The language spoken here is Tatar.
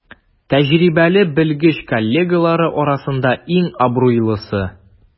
Тәҗрибәле белгеч коллегалары арасында иң абруйлысы.